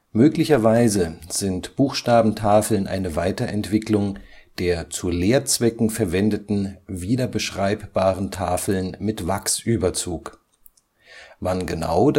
Möglicherweise sind Buchstabentafeln eine Weiterentwicklung der zu Lehrzwecken verwendeten wiederbeschreibbaren Tafeln mit Wachsüberzug. Wann genau